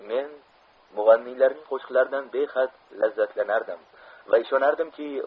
men mug'anniylarning qo'shiqlaridan behad lazzatlanardim va ishonardimki